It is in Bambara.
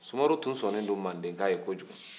sumaworo tun sɔnnen don mandeka ye kojugu